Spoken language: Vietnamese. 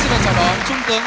chúng tôi